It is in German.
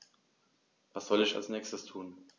Was soll ich als Nächstes tun?